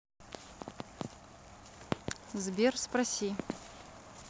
сбер спроси